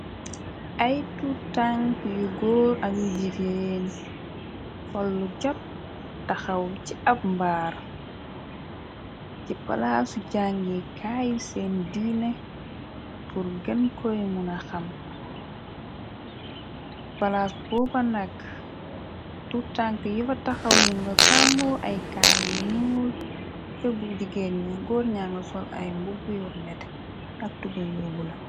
Ay tutank yu góor akyu jigeen sollu jot taxaw ci ab mbaar ci palaasu jàngi kaayu seen diine tur gën koy muna xam palaas booba nakk tutank yi fa taxaw ñi nga sangoo ay kaar yi ñu jëggu jigeen ñi góor ñangal sol ay mbugbu yux net ak tuba yóbu la.